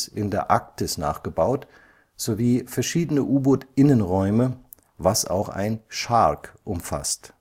in der Arktis nachgebaut sowie verschiedene U-Boot-Innenräume, was auch ein SHARC umfasst